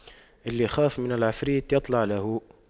اللي يخاف من العفريت يطلع له